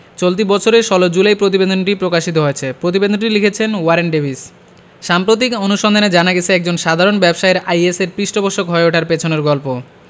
চলতি বছরের ১৬ জুলাই প্রতিবেদনটি প্রকাশিত হয়েছে প্রতিবেদনটি লিখেছেন ওয়্যারেন ডেভিস সাম্প্রতিক অনুসন্ধানে জানা গেছে একজন সাধারণ ব্যবসায়ীর আইএসের পৃষ্ঠপোষক হয়ে ওঠার পেছনের গল্প